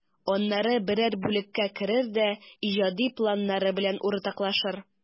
Аннары берәр бүлеккә керер дә иҗади планнары белән уртаклашыр.